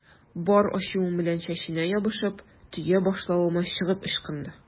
Бар ачуым белән чәченә ябышып, төя башлавыма чыгып ычкынды.